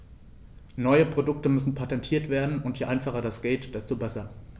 Neue Produkte müssen patentiert werden, und je einfacher das geht, desto besser.